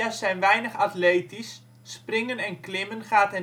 zijn weinig atletisch: springen en klimmen gaat